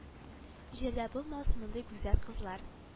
Җирдә булмас мондый гүзәл кызлар